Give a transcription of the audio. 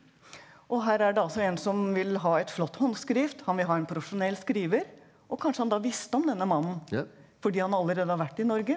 og her er det altså en som vil ha et flott håndskrift, han vil ha en profesjonell skriver, og kanskje han da visste om denne mannen fordi han allerede har vært i Norge.